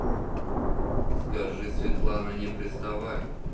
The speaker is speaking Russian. скажи светлана не приставай